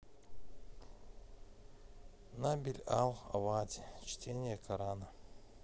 набиль аль авади чтение корана